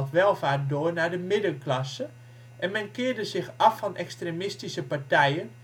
welvaart door naar de middenklasse, en men keerde zich af van extremistische partijen